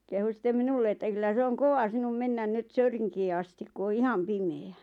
kehui sitten minulle että kyllä se on kova sinun mennä nyt Söyrinkiin asti kun on ihan pimeä